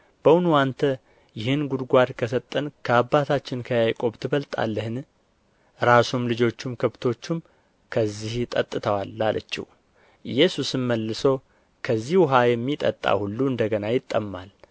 በእውኑ አንተ ይህን ጕድጓድ ከሰጠን ከአባታችን ከያዕቆብ ትበልጣለህን ራሱም ልጆቹም ከብቶቹም ከዚህ ጠጥተዋል አለችው ኢየሱስም መልሶ ከዚህ ውኃ የሚጠጣ ሁሉ እንደ ገና ይጠማል